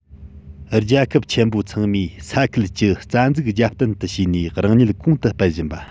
རྒྱལ ཁབ ཆེན པོ ཚང མས ས ཁུལ གྱི རྩ འཛུགས རྒྱབ རྟེན དུ བྱས ནས རང ཉིད གོང དུ སྤེལ བཞིན པ